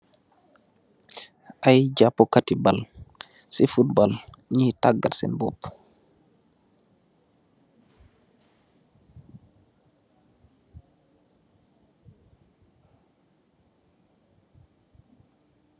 Ay japakati bal si fotbal , ñgi tangat sèèn bopú.